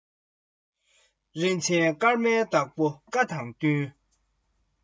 འདི ཕྱི གཉིས ཀྱི དབུ འཕངས མཐོ དགོས ན